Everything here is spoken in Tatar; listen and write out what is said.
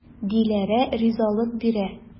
Диләрә ризалык бирә.